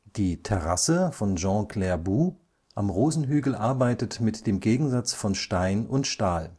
Die Terrasse von Jean Clareboudt am Rosenhügel arbeitet mit dem Gegensatz von Stein und Stahl